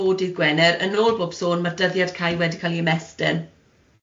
fod dydd Gwener, yn ôl bob sôn ma'r dyddiad cae wedi cael ei ymestyn.